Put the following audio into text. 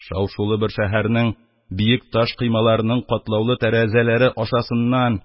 Шау-шулы бер шәһәрнең биек таш коймаларының катлаулы тәрәзәләре ашасыннан